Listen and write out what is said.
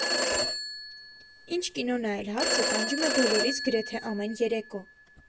«Ի՞նչ կինո նայել» հարցը տանջում է բոլորիս գրեթե ամեն երեկո։